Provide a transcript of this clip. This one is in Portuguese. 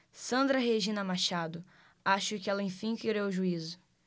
sandra regina machado acho que ela enfim criou juízo